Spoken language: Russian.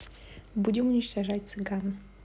будем уничтожать цыган